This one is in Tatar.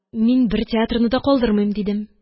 Мин бер театрны да калдырмыйм, – дидем.